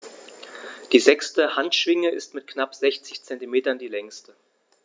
Die sechste Handschwinge ist mit knapp 60 cm die längste.